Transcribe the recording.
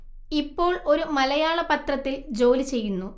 ഇപ്പോൾ ഒരു മലയാള പത്രത്തിൽ ജോലി ചെയ്യുന്നു